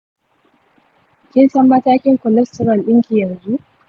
kinsan matakin cholesterol ɗinki yanzu?